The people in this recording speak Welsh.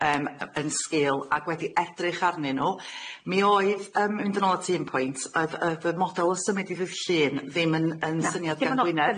yym yy yn sgil ag wedi edrych arnyn n'w, mi oedd yym mynd yn ôl at un pwynt o'dd o'dd y model o symud i ddydd Llyn ddim yn yn syniad gan Gwynedd...